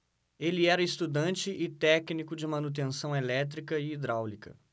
ele era estudante e técnico de manutenção elétrica e hidráulica